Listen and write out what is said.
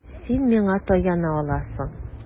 Син миңа таяна аласың.